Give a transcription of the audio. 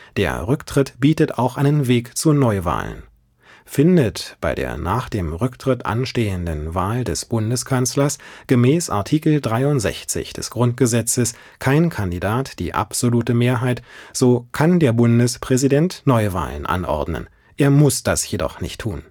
Der Rücktritt bietet auch einen Weg zu Neuwahlen. Findet bei der nach dem Rücktritt anstehenden Wahl des Bundeskanzlers gemäß Artikel 63 des Grundgesetzes kein Kandidat die absolute Mehrheit, so kann der Bundespräsident Neuwahlen anordnen, er muss das jedoch nicht tun